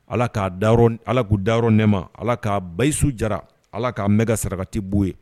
Ala k'a da ala'u daɔrɔn nɛma ala k ka bayisu jara ala k'a mɛn ka sarakati bon ye